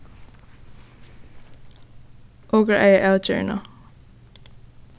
okur eiga avgerðina